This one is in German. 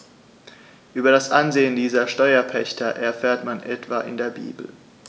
Über das Ansehen dieser Steuerpächter erfährt man etwa in der Bibel.